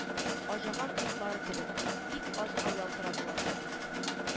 Аҗаган утлары кебек, бик азга ялтырадылар